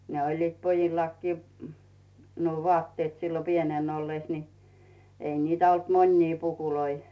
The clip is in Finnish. ne olivat pojillakin nuo vaatteet silloin pienenä ollessa niin ei niitä ollut monia pukuja